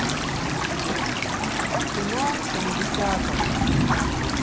кино семидесятого